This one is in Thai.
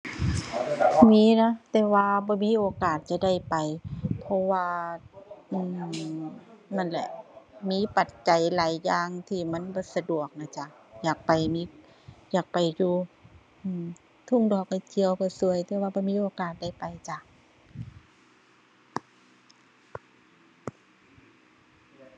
มีนะ แต่ว่าบ่มีโอกาสจะได้ไป เพราะว่า อือ นั่นแหละ มีปัจจัยหลายอย่างที่มันบ่สะดวกน่ะจ้ะ อยากไปนี่ อยากไปอยู่ อือ ทุ่งดอกกระเจียวก็สวย แต่ว่าบ่มีโอกาสได้ไปจ้ะ